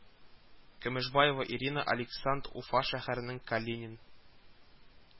Көмешбаева Ирина Александ Уфа шәһәренең Калинин